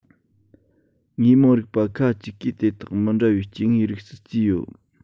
དངོས མང རིག པ ཁ ཅིག གིས དེ དག མི འདྲ བའི སྐྱེ དངོས རིགས སུ བརྩིས ཡོད